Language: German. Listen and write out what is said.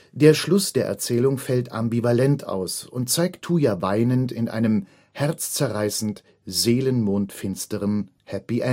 Der Schluss der Erzählung fällt ambivalent aus und zeigt Tuya weinend, in einem „ herzzerreißend seelenmondfinsteren Happy